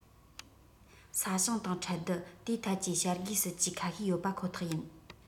ས ཞིང དང ཁྲལ བསྡུ དེའི ཐད ཀྱི བྱ དགའི སྲིད ཇུས ཁ ཤས ཡོད པ ཁོ ཐག ཡིན